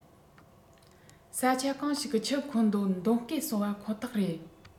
ས ཆ གང ཞིག གི ཆུ མཁོ འདོན མདོང གད སོང པ ཁོ ཐག རེད